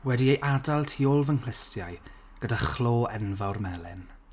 wedi ei adael tu ôl fy nghlustiau gyda chlo enfawr melen.